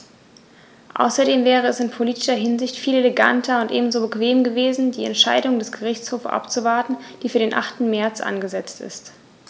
Außerdem wäre es in politischer Hinsicht viel eleganter und ebenso bequem gewesen, die Entscheidung des Gerichtshofs abzuwarten, die für den 8. März angesetzt ist.